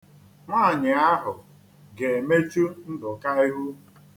Nwaanyị ahụ ga-emechu Nduka ihu.